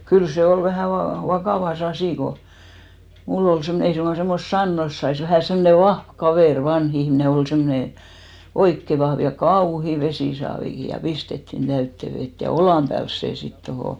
kyllä se oli vähän - vakava asia kun minulla oli semmoinen ei suinkaan semmoista sanoa saisi vähän semmoinen vahva kaveri vanha ihminen oli semmoinen oikein vahva ja kauhea vesisaavikin ja pistettiin täyteen vettä ja olan päälle se sitten tuohon